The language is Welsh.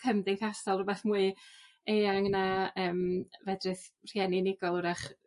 cymdeithasol rwbath mwy eang na yym fedrith rhieni unigol 'w'rach...